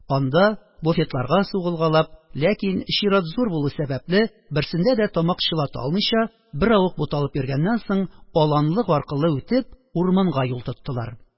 Анда буфетларга сугылгалап, ләкин, чират зур булу сәбәпле, берсендә дә тамак чылата алмыйча беравык буталып йөргәннән соң, аланлык аркылы үтеп, урманга юл тоттылар.